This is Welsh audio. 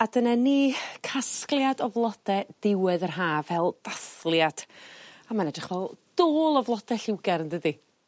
A dyna ni. Casgliad o flode diwedd yr haf fel ddathliad a ma'n edrych fel dôl o flod lliwgar yndydi?